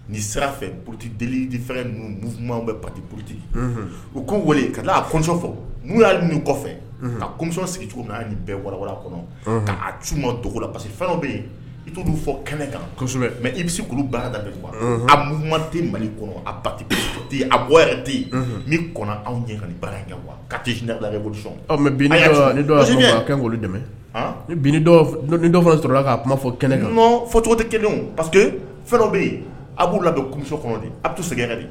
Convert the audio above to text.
Ni sira fɛ buruti delieli fɛn ninnu bɛ paurute u ko wale kasɔ fɔ n'u y'a min kɔfɛ ka kɔsɔn sigi cogo min'a nin bɛɛ warawa kɔnɔ k'a c dogola pa fɛn bɛ yen i tun'u fɔ kɛnɛ kan kosɛbɛ mɛ i bɛ se kulu baara da kuwa ama tɛ mali kɔnɔ ate a bɔ yɛrɛ tɛ yen ni kɔnɔ anw ɲɛ ka baara in kɛ ka mɛkolon dɛmɛ dɔ fana sɔrɔla ka kuma fɔ kɛnɛ kan fɔcogo tɛ kelen a dɔ bɛ yen a b'u ladonmi kɔnɔ a bɛ sɛgɛn ka